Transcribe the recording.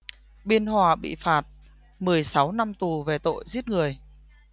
biên hòa bị phạt mười sáu năm tù về tội giết người